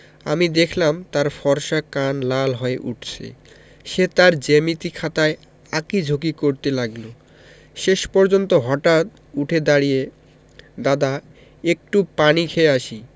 আমি দেখলাম তার ফর্সা কান লাল হয়ে উঠছে সে তার জ্যামিতি খাতায় আঁকি ঝুকি করতে লাগলো শেষ পর্যন্ত হঠাৎ উঠে দাড়িয়ে দাদা একটু পানি খেয়ে আসি